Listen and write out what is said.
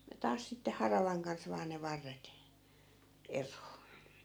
ja taas sitten haravan kanssa vain ne varret eroon